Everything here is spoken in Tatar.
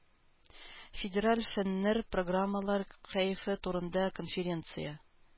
Федераль фэннэр программалар кәефе турында конференция.